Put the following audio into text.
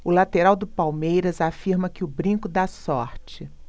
o lateral do palmeiras afirma que o brinco dá sorte